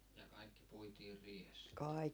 ja kaikki puitiin riihessä